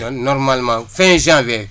normalzment fin janvier